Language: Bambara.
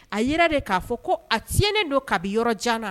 A yɛrɛ de k'a fɔ ko a tiɲɛnen don kabinibi yɔrɔ jan